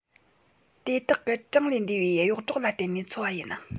དེ དག གི གྲངས ལས འདས པའི གཡོག གྲོག ལ བརྟེན ནས འཚོ བ ཡིན